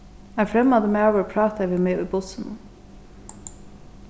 ein fremmandur maður prátaði við meg í bussinum